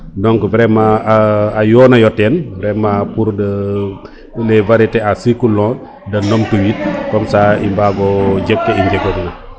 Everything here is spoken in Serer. donc vraiment a yona yo ten vraiment pour de varieté a cycle long de num tu wiin comme ca i mbago njeg ke i njegood na